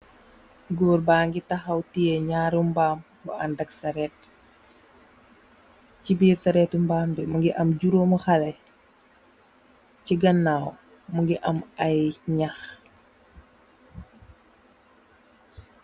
Goor bagi tahaw tiyeh naari mbam bo andak saret si birr saretu mbam bi mogi am juroomi xale si ganaw mogi am ay nyaax.